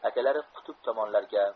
akalari qutb tomonlarga